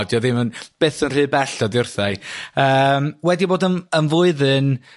'dio ddim yn byth yn rhy bell oddi wrtha i yy wedi bod yn flwyddyn